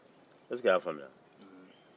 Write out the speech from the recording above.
i y'a faamuya wa